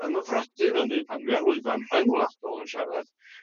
ymyfrydi yn ynny pan dwi ar lwyfan rhyngwladol yn siarad